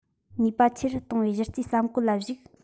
ནུས པ ཆེ རུ གཏོང བའི གཞི རྩའི བསམ བཀོད ལ གཞིགས